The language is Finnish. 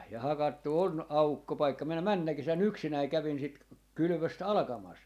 ja hakattu on aukkopaikka minä menneenä kesänä yksinäni kävin sitä - kylvöstä alkamassa